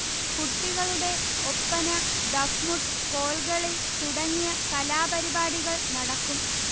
കുട്ടികളുടെ ഒപ്പന, ദഫ്മുട്ട്, കോൽകളി തുടങ്ങിയ കലാപരിപാടികൾ നടക്കും